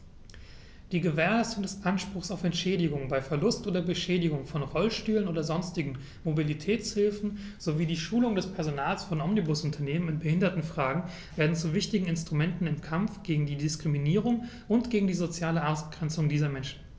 Die Gewährleistung des Anspruchs auf Entschädigung bei Verlust oder Beschädigung von Rollstühlen oder sonstigen Mobilitätshilfen sowie die Schulung des Personals von Omnibusunternehmen in Behindertenfragen werden zu wichtigen Instrumenten im Kampf gegen Diskriminierung und gegen die soziale Ausgrenzung dieser Menschen.